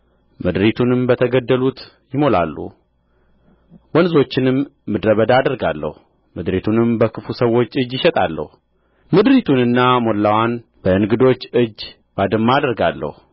ምድሪቱንም በተገደሉት ይሞላሉ ወንዞችንም ምድረ በዳ አደርጋለሁ ምድሪቱንም በክፉ ሰዎች እጅ እሸጣለሁ ምድሪቱንና ሙላዋንም በእንግዶች እጅ ባድማ አደርጋለሁ